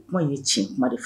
Kuma in ye tiɲɛ ye kuma de f